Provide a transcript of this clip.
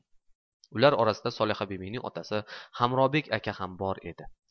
ular orasida solihabibining otasi hamrobek aka ham bor edi